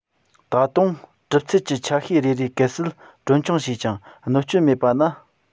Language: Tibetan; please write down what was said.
ད དུང གྲུབ ཚུལ གྱི ཆ ཤས རེ རེ གལ སྲིད གྲོན ཆུང བྱས ཀྱང གནོད སྐྱོན མེད པ ན